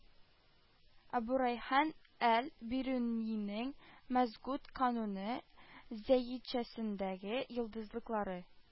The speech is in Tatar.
Әбүрәйхан әл-Бирунинең «Мәсгуд кануны» зайичәсендәге йолдызлыклары